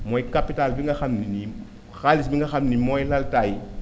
mooy capital bi nga xam ne ni xaalis bi nga xam ni mooy laltaayu